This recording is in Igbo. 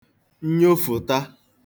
nnyofụ̀ta